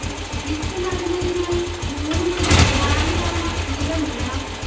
വിത്ത് നടുന്നതിനായി മൂന്ന് മുതൽ നാലു തവണ നിലമുഴണം